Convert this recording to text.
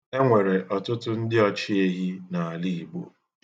E nwere ọtụtụ ndị ọchịehi n'ala Igbo.